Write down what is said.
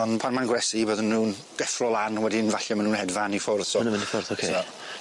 Ond pan mae'n gwresi bydden nw'n deffro lan wedyn falle ma' nw'n hedfan i ffwrdd so ... Ma' nw'n mynd i ffwrdd ocê. ...so.